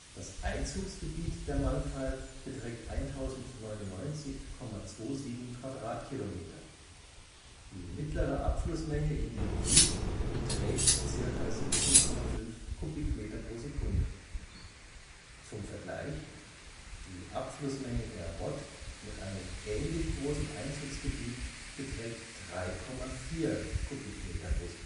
Das Einzugsgebiet der Mangfall beträgt 1099,27 km², die mittlere Abflussmenge in den Inn beträgt ca. 17,5 m³/s (zum Vergleich: die Abflussmenge der Rott mit einem ähnlich großen Einzugsgebiet beträgt 3,4 m³/s